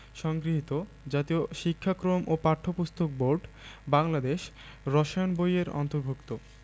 সংগৃহীত জাতীয় শিক্ষাক্রম ও পাঠ্যপুস্তক বোর্ড বাংলাদেশ রসায়ন বিজ্ঞান বই এর অন্তর্ভুক্ত